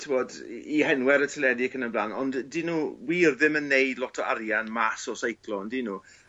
t'bod 'i 'i 'i henwe ar y teledu ac yn y bla'n ond 'dyn n'w wir ddim yn neud lot o arian mas o seiclo on'd 'yn n'w?